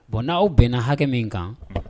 Bɔn aw bɛnna hakɛ min kan